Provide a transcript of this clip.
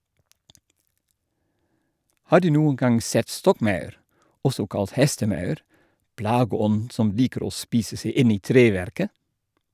Har du noen gang sett stokkmaur, også kalt hestemaur, plageånden som liker å spise seg inn i treverket?